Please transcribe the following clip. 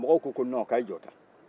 aa mɔgɔw ko ko nɔn ko a ye jɔ dɛɛ